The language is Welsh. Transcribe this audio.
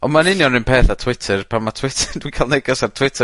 ond mae'n union 'r un peth a Twitter. Pan ma' Twit- dwi'n ca'l neges ar Twitter